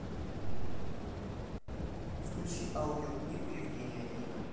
включи аудиокнигу евгений онегин